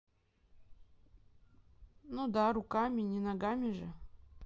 ну да руками не ногами же